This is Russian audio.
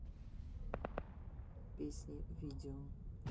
песни видео